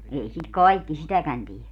ei sitä kaikki sitäkään tee